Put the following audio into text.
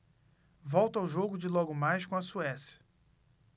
volto ao jogo de logo mais com a suécia